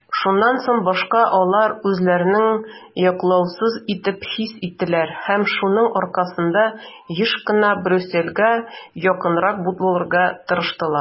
Шуннан башка алар үзләрен яклаусыз итеп хис итәләр һәм шуның аркасында еш кына Брюссельгә якынрак булырга тырышалар.